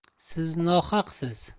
siz nohaqsiz